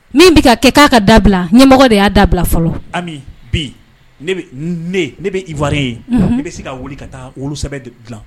Min bɛ ka kɛ k'a ka dabila ɲɛmɔgɔ de y'a dabila fɔlɔ ami bi ne bɛ iware ye ne bɛ se ka wuli ka taa olusɛbɛ dila